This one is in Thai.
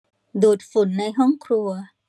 ดูดฝุ่นในห้องครัว